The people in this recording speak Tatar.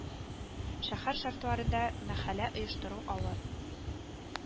Шәһәр шартларында мәхәллә оештыру авыр